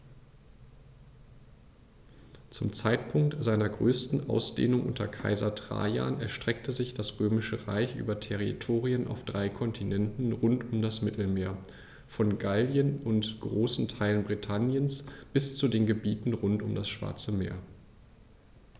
Zum Zeitpunkt seiner größten Ausdehnung unter Kaiser Trajan erstreckte sich das Römische Reich über Territorien auf drei Kontinenten rund um das Mittelmeer: Von Gallien und großen Teilen Britanniens bis zu den Gebieten rund um das Schwarze Meer.